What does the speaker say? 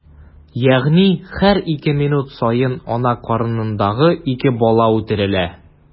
Ягъни һәр ике минут саен ана карынындагы ике бала үтерелә.